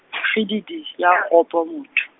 kgididi, ya kgopo motho.